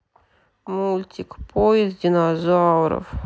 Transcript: мультик поезд динозавров